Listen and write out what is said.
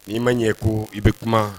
N'i ma ɲɛ ko i bɛ kuma